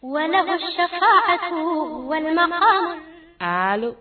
Walimamadugu walimama kalo